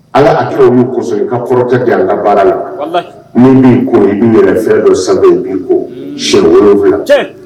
Ala aki kɔsɔn i ka kɔrɔta kɛ a ka baara la minnu bɛ ko du yɛrɛ fɛn dɔ sami bi kɔ shɛ wolonfila